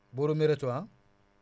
booru Mereto ha